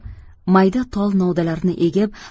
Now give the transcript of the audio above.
mayda tol novdalarini egib